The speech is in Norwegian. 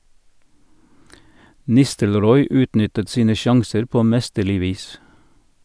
Nistelrooy utnyttet sine sjanser på mesterlig vis.